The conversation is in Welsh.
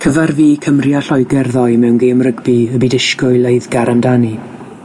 Cyfarfu Cymru a Lloeger ddoe mewn gêm rygbi y bu disgwyl eiddgar amdani.